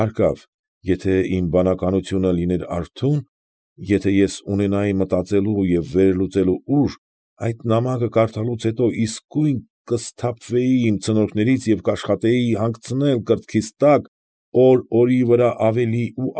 Հարկավ, եթե իմ բանականությունը չլիներ արթուն, եթե ես ունենայի մտածելու և վերլուծելու ուժ, այդ նամակը կարդալուց հետո իսկույն կսթափվեի իմ ցնորքներից և կաշխատեի հանգցնել կրծքիս տակ օր֊օրի վրա ավելի ու։